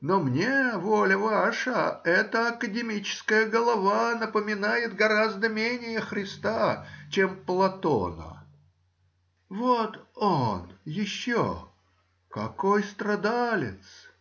но мне, воля ваша, эта академическая голова напоминает гораздо менее Христа, чем Платона. Вот он, еще. какой страдалец.